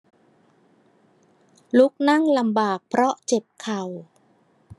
ลุกนั่งลำบากเพราะเจ็บเข่า